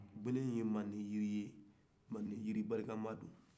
gele ye mande jiri ye mande jiri barika man do